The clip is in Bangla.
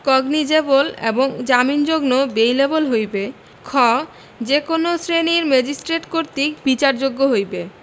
কগনিযেবল এবং জামিনযোগ্য বেইলএবল হইবে খ যে কোন শ্রেণীর ম্যাজিস্ট্রেট কর্তৃক বিচারযোগ্য হইবে